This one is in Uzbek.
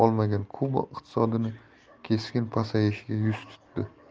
olmagan kuba iqtisodiyoti keskin pasayishga yuz tutdi